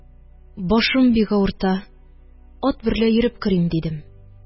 :– башым бик авырта, ат берлә йөреп керим, – дидем